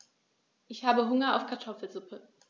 Ich habe Hunger auf Kartoffelsuppe.